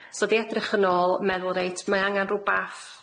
So 'di edrych yn ôl meddwl reit mae angan rwbath